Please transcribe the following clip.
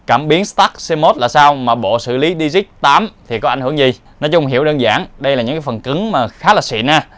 cảm biến stacked cmos là sao mà bộ xử lý digic thì có ảnh hưởng gì nói chung hiểu đơn giản đây là những phần cứng khá là xịn